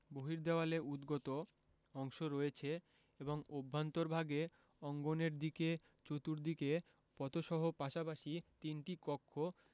বহির্দেওয়ালে উদ্গত অংশ রয়েছে এবং অভ্যন্তরভাগে অঙ্গনের দিকে চতুর্দিকে পথসহ পাশাপাশি তিনটি কক্ষ